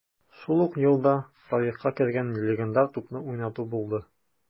Шул ук елда тарихка кергән легендар тупны уйнату булды: